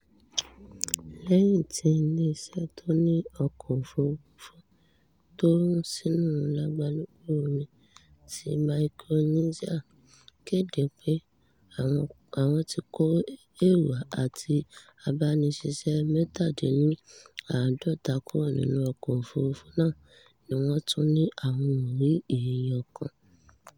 Lẹ́yìn tí Ilé-iṣẹ́ tó ni ọkọ̀-òfúrufú, tó run sínu lagbalúgbú omi ti Micronesia, kéde pé àwọn ti kó èrò àti abániṣiṣẹ́ 47 kúrò nínú ọkọ̀-òfúrufú náà, ni wọ́n tún ní àwọn ò rí èèyàn kan.